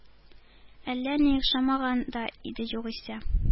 Әллә ни охшамаган да иде югыйсә...